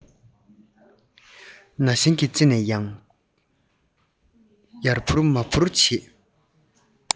ཀྱུར ཀྱུར གྱི སྐད སྙན ཡང ཡང འབྱིན